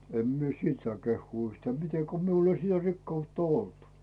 en minä sitten saa kehua yhtään miten kun minulla ei sitä rikkautta ollut